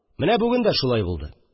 Менә бүген дә шулай булды